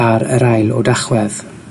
ar yr ail o Dachwedd.